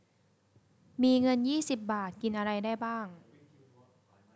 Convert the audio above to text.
มีเงินยี่สิบบาทกินอะไรได้บ้าง